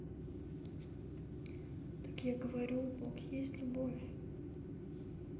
так я говорю бог есть любовь